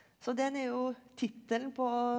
så den er jo tittelen på.